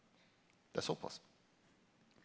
det er såpass.